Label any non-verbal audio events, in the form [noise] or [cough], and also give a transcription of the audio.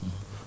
[hesitation] [hesitation]